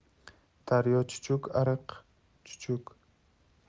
daryo chuchuk ariq chuchuk